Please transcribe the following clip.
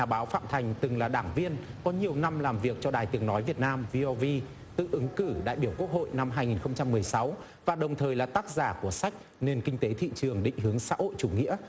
nhà báo phạm thành từng là đảng viên có nhiều năm làm việc cho đài tiếng nói việt nam vi o vi tự ứng cử đại biểu quốc hội năm hai nghìn không trăm mười sáu và đồng thời là tác giả của sách nền kinh tế thị trường định hướng xã hội chủ nghĩa